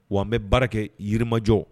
Wa n bɛ baara kɛ yirimajɔ.